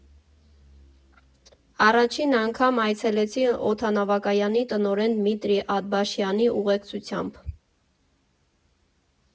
Առաջին անգամ այցելեցի օդանավակայանի տնօրեն Դմիտրի Աթբաշյանի ուղեկցությամբ։